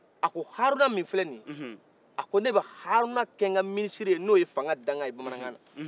a ko haruna min filɛ nin ye a ko ne bɛ haruna kɛ n ka minisiri n'o ye fangan dangan ye bamanakan na